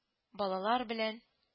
Балалар белән…